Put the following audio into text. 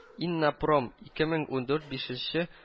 “иннопром- ике мең ундурт” бишенче